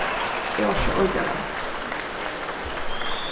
eg orki ordiliga væl